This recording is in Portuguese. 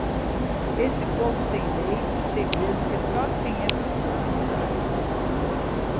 esse povo tem leis e segredos que só quem é cigano sabe